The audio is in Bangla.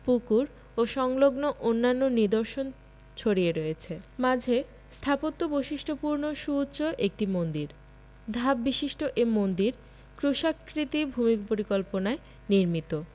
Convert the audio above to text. পুকুর ও সংলগ্ন অন্যান্য নিদর্শন ছড়িয়ে রয়েছে মাঝে স্থাপত্য বৈশিষ্ট্যপূর্ণ সুউচ্চ একটি মন্দির ধাপবিশিষ্ট এ মন্দির ক্রুশাকৃতি ভূমিপরিকল্পনায় নির্মিত